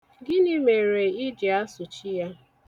Gịnị mere ị ji asụchi ya?